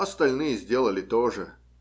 Остальные сделали то же.